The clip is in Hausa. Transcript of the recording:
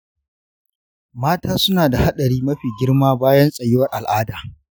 mata suna da haɗari mafi girma bayan tsayuwar al'ada?